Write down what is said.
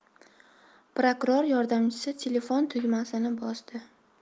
prokuror yordamchisi telefon tugmasini bosdi